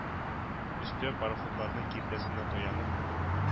Өстә пароходларның киртәсенә таянып